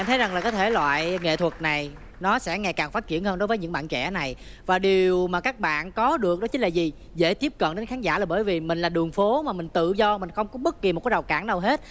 em thấy rằng là có thể loại nghệ thuật này nó sẽ ngày càng phát triển hơn đối với những bạn trẻ này và điều mà các bạn có được đó chính là gì dễ tiếp cận đến khán giả là bởi vì mình là đường phố mà mình tự do mình không có bất kỳ một rào cản nào hết